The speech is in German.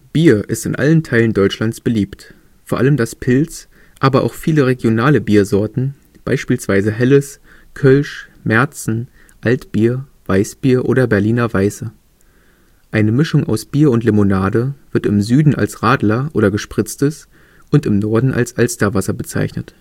Bier ist in allen Teilen Deutschlands beliebt, vor allem das Pils, aber auch viele regionale Biersorten, beispielsweise Helles, Kölsch, Märzen, Altbier, Weißbier oder Berliner Weiße. Eine Mischung aus Bier und Limonade wird im Süden als „ Radler “oder „ Gespritztes “und im Norden als „ Alsterwasser “bezeichnet